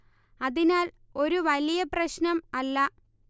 അതിനാൽ ഒരു വലിയ പ്രശ്നം അല്ല